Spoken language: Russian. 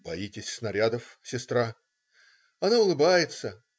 "Боитесь снарядов, сестра?" Она улыбается.